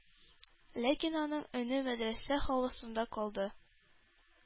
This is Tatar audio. Ләкин аның өне мәдрәсә һавасында калды.